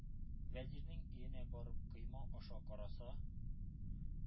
Вәзирнең өенә барып койма аша караса,